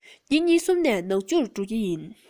ཉིན གཉིས གསུམ ནས ནག ཆུར འགྲོ གི ཡིན